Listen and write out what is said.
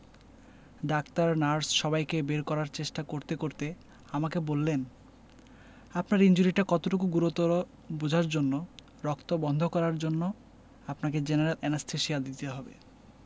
doctor nurse সবাইকে বের করার চেষ্টা করতে করতে আমাকে বললেন আপনার ইনজুরিটা কতটুকু গুরুতর বোঝার জন্যে রক্ত বন্ধ করার জন্যে আপনাকে জেনারেল অ্যানেসথেসিয়া দিতে হবে